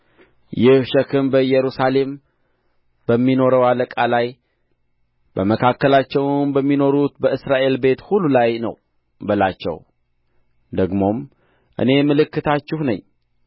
ይህ ሸክም በኢየሩሳሌም በሚኖረው አለቃ ላይ በመካከላቸውም በሚኖሩት በእስራኤል ቤት ሁሉ ላይ ነው በላቸው ደግሞም እኔ ምልክታችሁ ነኝ